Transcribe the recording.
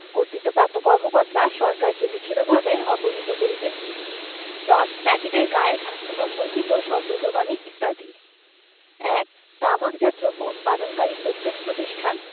কর্তৃত্বপ্রাপ্ত কর্মকর্তা সরকারকে লিখিতভাবে অবহিত করিবেন ১০ প্যাকেটের গায়ে স্বাস্থ্য সম্পর্কিত সতর্কবাণী ইত্যাদিঃ ১ তামাকজাত দ্রব্য উৎপাদনকারী প্রত্যেক প্রতিষ্ঠান